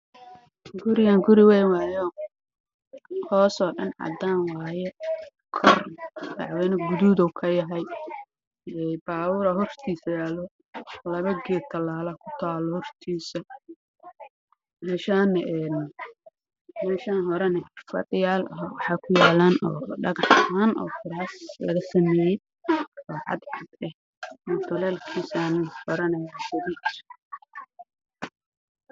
Guri weyn waayo hoos cadaan waayo